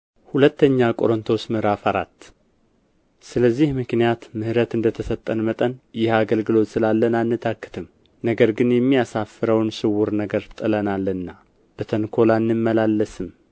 ሁለተኛ ቆሮንቶስ ምዕራፍ አራት ስለዚህ ምክንያት ምሕረት እንደ ተሰጠን መጠን ይህ አገልግሎት ስላለን አንታክትም ነገር ግን የሚያሳፍረውን ስውር ነገር ጥለናልና በተንኮል አንመላለስም